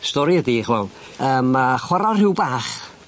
Stori ydi ch'wel' yy ma' chwara rhyw bach